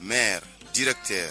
Mɛ di tɛ